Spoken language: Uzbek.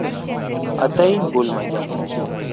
atayin bo'lmagan